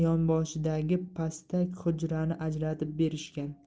yonboshidagi pastak hujrani ajratib berishgan